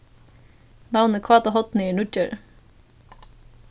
navnið káta hornið er nýggjari